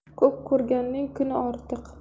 ko'p ko'rganning kuni ortiq